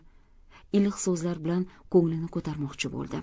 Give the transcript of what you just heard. iliq so'zlar bilan ko'nglini ko'tarmoqchi bo'ldim